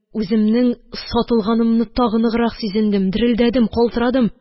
Үземнең сатылганымны тагы ныграк сизендем, дерелдәдем, калтырадым.